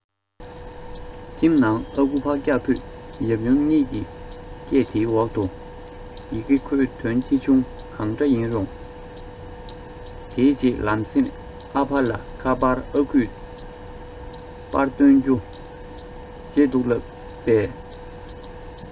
ཁྱིམ ནང ཨ ཁུ ཕག སྐྱག ཕུད ཡབ ཡུམ གཉིས ཀྱི སྐད དེའི འོག ཏུ ཡི གེ ཁོས དོན ཆེ ཆུང གང འདྲ ཡིན རུང དེའི རྗེས ལམ སེང ཨ ཕ ལ ཁ པར ཨ ཁུས པར བཏོན རྒྱུ བརྗེད འདུག ལབ པས